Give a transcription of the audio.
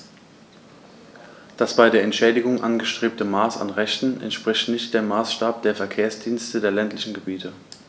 Das bei der Entschädigung angestrebte Maß an Rechten entspricht nicht dem Maßstab der Verkehrsdienste der ländlichen Gebiete.